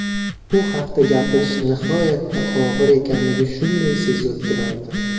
u haqda gapirish nihoyatda og'ir ekanligi shunday sezilib turardi